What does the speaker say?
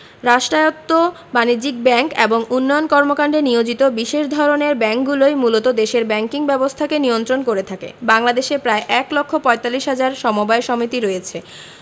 রাষ্ট্রায়ত্ত বাণিজ্যিক ব্যাংক এবং উন্নয়ন কর্মকান্ডে নিয়োজিত বিশেষ ধরনের ব্যাংকগুলোই মূলত দেশের ব্যাংকিং ব্যবস্থাকে নিয়ন্ত্রণ করে থাকে বাংলাদেশে প্রায় এক লক্ষ পয়তাল্লিশ হাজার সমবায় সমিতি রয়েছে